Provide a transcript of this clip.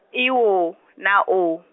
I W na O.